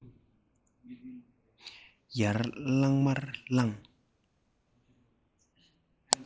ཡར བརྐྱངས མར བརྐྱངས